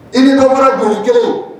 I ni ka bɔra jɔn cogo